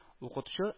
Укытучы